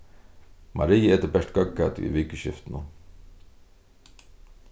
maria etur bert góðgæti í vikuskiftinum